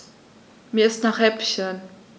Mir ist nach Häppchen.